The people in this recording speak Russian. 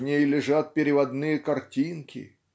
в ней лежат переводные картинки.